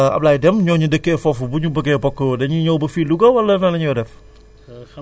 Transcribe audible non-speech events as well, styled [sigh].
léegi yow [hesitation] Ablaye Deme ñooñu dëkkee foofu bu ñu bëggee bokk dañuy ñëw ba fii Louga wala nan la ñuy def